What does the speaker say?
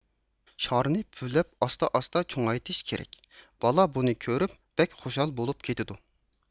شارنى پۈۋلەپ ئاستا ئاستا چوڭايتىش كېرەك بالا بۇنى كۆرۈپ بەك خۇشال بولۇپ كېتىدۇ